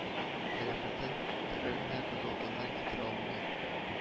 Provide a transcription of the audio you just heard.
Кыяфәтен төгәл генә күз алдына китерә алмый